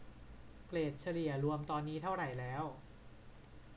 เกรดเฉลี่ยรวมตอนนี้เท่าไหร่แล้ว